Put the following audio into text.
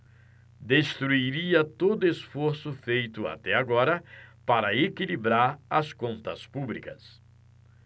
destruiria todo esforço feito até agora para equilibrar as contas públicas